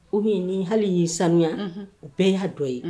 ni hali ni y'i sanuya u bɛɛ y'a dɔ ye.